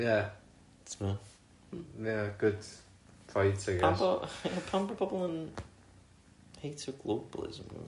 Ie, ti'bod? M-hm. Ia, good point i guess... Pam bo- ie pam bo' pobl yn hateio globalism gymaint..?